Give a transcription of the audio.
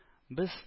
Без –